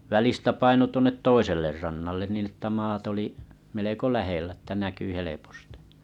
välistä painoi tuonne toiselle rannalle niin että maat oli melko lähellä että näkyi helposti